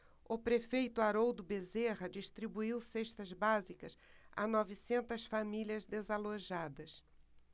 o prefeito haroldo bezerra distribuiu cestas básicas a novecentas famílias desalojadas